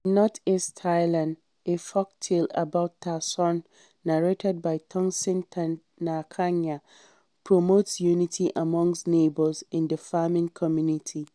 In northeast Thailand, a folktale about Ta Sorn narrated by Tongsin Tanakanya promotes unity among neighbors in a farming community.